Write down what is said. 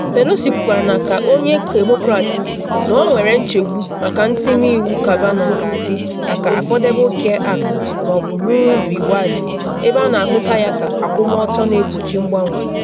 Pelosi kwukwara na ka onye Demokrat na ọ nwere nchegbu maka ntimiwu Kavanaugh ga-adị maka Affordable Care Act ma ọ bụ Roe v. Wade, ebe a na ahụta ya ka akwụmụtọ na egbochi mgbanwe.